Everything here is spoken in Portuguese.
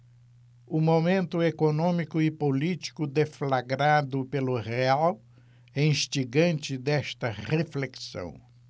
o momento econômico e político deflagrado pelo real é instigante desta reflexão